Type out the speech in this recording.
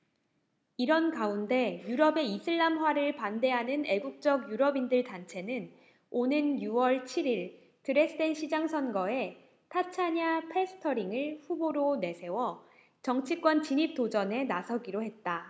이런 가운데 유럽의 이슬람화를 반대하는 애국적 유럽인들 단체는 오는 유 월 칠 일 드레스덴시장 선거에 타챠나 페스터링을 후보로 내세워 정치권 진입 도전에 나서기로 했다